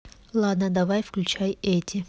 ладно давай включай эти